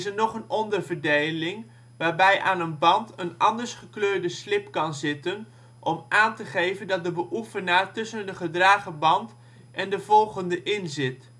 nog een onderverdeling waarbij aan een band een andersgekleurde slip kan zitten om aan te geven dat de beoefenaar tussen de gedragen band en de volgende in zit